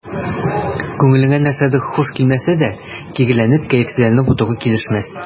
Күңелеңә нәрсәдер хуш килмәсә дә, киреләнеп, кәефсезләнеп утыру килешмәс.